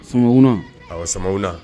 Sumaworokunun a sama la